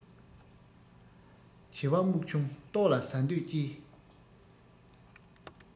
བྱི བ སྨྱུག ཆུང ལྟོགས ལ ཟ འདོད ཀྱིས